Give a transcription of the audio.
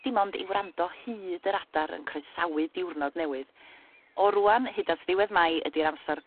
dim ond i wrando hyd yr adar yn croesawu diwrnod newydd o rŵan hyd at ddiwedd Mai ydi'r amsar